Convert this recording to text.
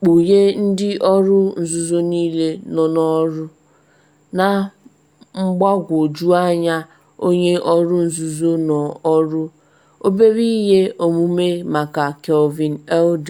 kpughee ndị ọrụ nzuzo niile nọ n’ọrụ, na mgbagwoju anya onye ọrụ nzuzo nọ ọrụ - obere ihe omume maka Kelvin Eldon.